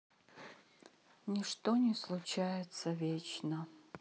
ничто не случается вечно